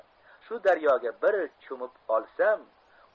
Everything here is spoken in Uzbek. shu daryoga bir cho'mib olsam